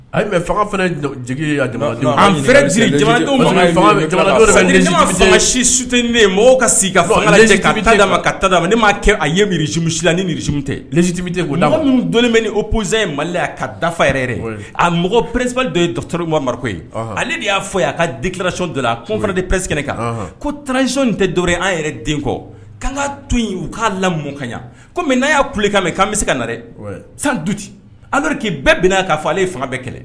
A fanga si sute mɔgɔ ka sigi taa ka ma ne m' a ye mizmusila ni miiris tɛ zsiti ko dɔnni bɛ ni o pze ye mali a ka dafa yɛrɛ a mɔgɔ pɛsip dɔ ye dɔgɔtɔrɔba mari ye ale de y'a fɔ' a ka den kiralati dɔla ko fana de pɛsiskɛnɛ kan ko tranzc tɛ dɔɔninɛrɛ an yɛrɛ den kɔ k'an ka to u k'a lamu kaɲa n'a y'a kulekan mɛn k'an bɛ se ka na dɛ san duti ankike bɛɛ bɛn n'a'a fɔ ale ye fanga bɛɛ kɛlɛ